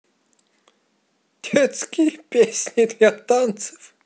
детские песни для танцев